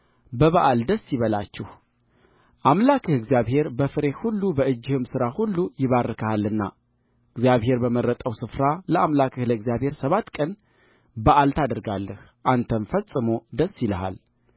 በበዓል ደስ ይበላችሁ አምላክህ እግዚአብሔር በፍሬህ ሁሉ በእጅህም ሥራ ሁሉ ይባርክሃልና እግዚአብሔር በመረጠው ስፍራ ለአምላክህ ለእግዚአብሔር ሰባት ቀን በዓል ታደርጋለህ አንተም ፈጽሞ ደስ ይልሃል